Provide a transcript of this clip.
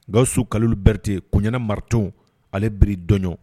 Ga su ka berete koɲɛnaana maratoon ale biri dɔnɲɔ